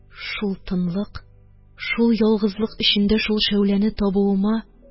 Шул тынлык, шул ялгызлык эчендә шул шәүләне табуыма